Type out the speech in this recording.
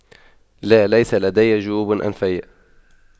لا ليس لدي جيوب أنفية